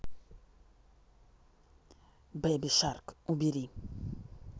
baby shark убери